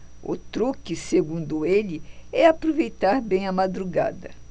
o truque segundo ele é aproveitar bem a madrugada